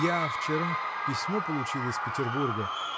— Я вчера письмо получил из Петербурга.